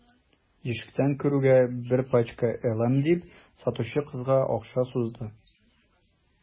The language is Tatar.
Ишектән керүгә: – Бер пачка «LM»,– дип, сатучы кызга акча сузды.